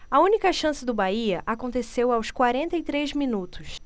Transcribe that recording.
a única chance do bahia aconteceu aos quarenta e três minutos